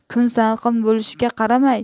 kun salqin bo'lishiga qaramay